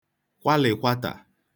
kwalị̀kwatà